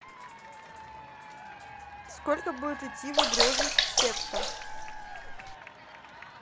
сколько будет идти в угрозыск секта